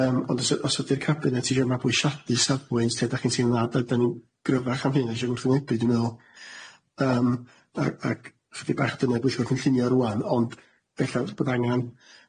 Yym ond os y- os ydi'r cabinet isio mabwysiadu safbwynt lle dach chi'n teimlo'n dda d- dan ni'n gryfach am hyn a isio wrthwynebu dwi'n meddwl yym a- ag chydig bach dynebwyll wrthyn llunia rŵan ond ella bydd angan